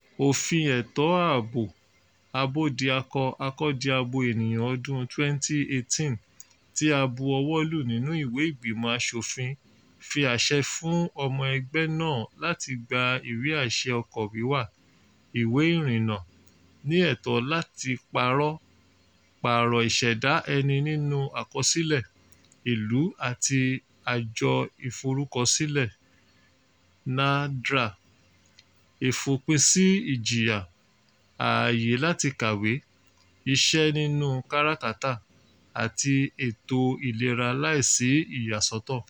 Òfin Ẹ̀tọ́ Ààbò Abódiakọ-akọ́diabo Ènìyàn ọdún 2018 tí a bu ọwọ́ lù nínú ilé ìgbìmọ̀ aṣòfin fi àṣẹ fún ọmọ ẹgbẹ́ náà láti gba ìwé àṣẹ ọkọ̀ wíwà, ìwé ìrìnnà, ní ẹ̀tọ́ láti pààrọ ìṣẹ̀dá ẹni nínú àkọsílẹ̀ ìlú àti Àjọ Ìforúkọsílẹ̀ (NADRA), ìfòpinsí ìjìyà, àyè láti kàwé, iṣẹ́ nínú káràkátà àti ètò ìlera láì sí ìyàsọ́tọ̀.